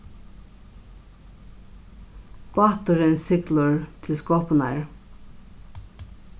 báturin siglir til skopunar